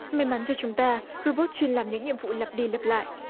may mắn cho chúng ta ro bot chuyên làm những nhiệm vụ lặp đi lặp lại